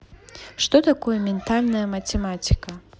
что такое ментальная математика